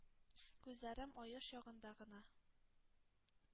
Күзләрем — Аеш ягында гына.